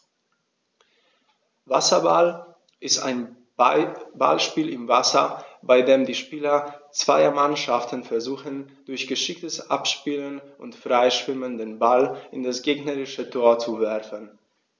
Wasserball ist ein Ballspiel im Wasser, bei dem die Spieler zweier Mannschaften versuchen, durch geschicktes Abspielen und Freischwimmen den Ball in das gegnerische Tor zu werfen.